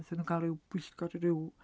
Wnaethon nhw gael ryw bwyllgor, ryw...